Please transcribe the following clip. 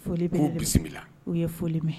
Foli bɛ bisimila u ye foli mɛn